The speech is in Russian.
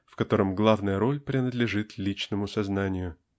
в котором главная роль принадлежит личному сознанию.